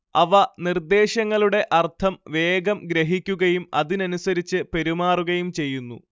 അവ നിർദ്ദേശങ്ങളുടെ അർത്ഥം വേഗം ഗ്രഹിക്കുകയും അതിനനുസരിച്ച് പെരുമാറുകയും ചെയ്യുന്നു